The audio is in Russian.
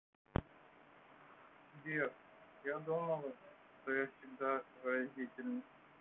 сбер я думала что я всегда выразительна